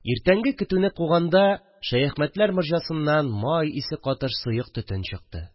Иртәнге көтүне куганда Шәяхмәтләр морҗасыннан май исе катыш сыек төтен чыкты